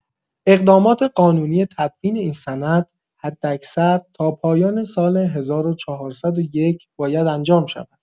اقدامات قانونی تدوین این سند حداکثر تا پایان سال ۱۴۰۱ باید انجام شود.